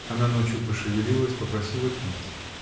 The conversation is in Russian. Она ночью пошевелилась, попросила пить.